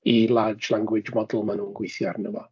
I large language model maen nhw'n gweithio arno fo.